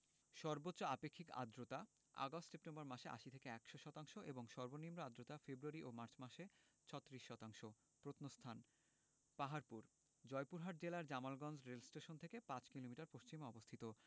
সর্বোচ্চ আপেক্ষিক আর্দ্রতা আগস্ট সেপ্টেম্বর মাসে ৮০ থেকে ১০০ শতাংশ এবং সর্বনিম্ন আর্দ্রতা ফেব্রুয়ারি ও মার্চ মাসে ৩৬ শতাংশ প্রত্নস্থানঃ পাহাড়পুর জয়পুরহাট জেলার জামালগঞ্জ রেলস্টেশন থেকে ৫ কিলোমিটার পশ্চিমে অবস্থিত